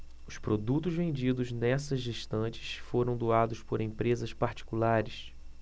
os produtos vendidos nestas estantes foram doados por empresas particulares